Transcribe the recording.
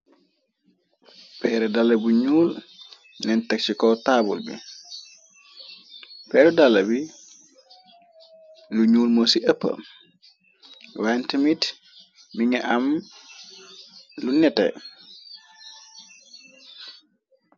peer dala bu ñuul neentaxsiko taabul bi peer dala bi lu ñuul moo ci ëppa wantmit bi nga am lu nete